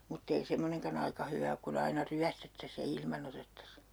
mutta ei semmoinenkaan aika hyvä ole kun aina ryöstettäisiin ja ilman otettaisiin